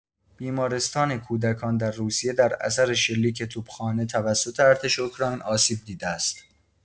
بیمارستان کودکان در روسیه در اثر شلیک توپخانه توسط ارتش اوکراین آسیب دیده است.